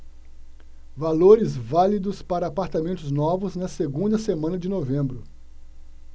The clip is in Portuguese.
valores válidos para apartamentos novos na segunda semana de novembro